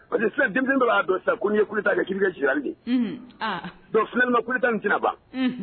Parce que filɛ den dɔ b'a don sa ko n ye ku kɛ kikɛ ji don filɛ ma ku da tɛna ban